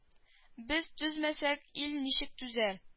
Без түзмәсәк ил ничек түзәр